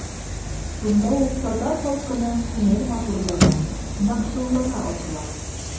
Шунда ук татар халкының күңел матурлыгы, кунакчыллыгы ачыла.